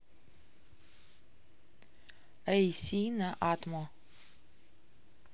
ai se на атмо